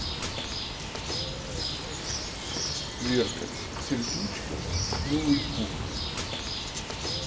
верка сердючка новый год